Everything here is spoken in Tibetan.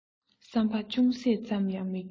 བསམ པ ཅུང ཟད ཙམ ཡང མ འགྱུར ན